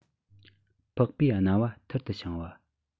ཕག པའི རྣ བ ཐུར དུ འཕྱང བ